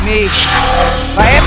mi và ép